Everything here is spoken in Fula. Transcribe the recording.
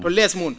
to lees mun